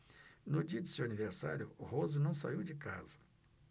no dia de seu aniversário rose não saiu de casa